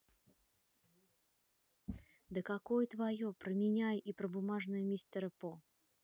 да какое твое променяю и про бумажные мистера по